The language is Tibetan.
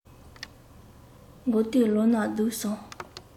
མགོ རྟིང ལོག ན སྡུག སོང